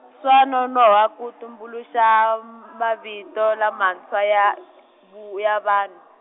swa nonohwa ku tumbuluxa mavito lamantshwa ya vu ya van-.